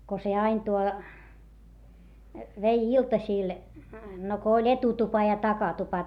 kun se aina tuo vei iltasilla no kun oli etutupa ja takatupa